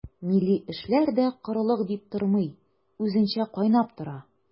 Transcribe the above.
Милли эшләр дә корылык дип тормый, үзенчә кайнап тора.